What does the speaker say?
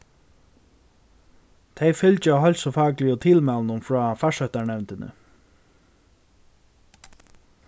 tey fylgja heilsufakligu tilmælunum frá farsóttarnevndini